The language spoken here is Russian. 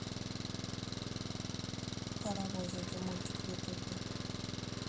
паровозики мультик в ютубе